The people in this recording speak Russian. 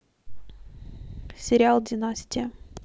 сериал династия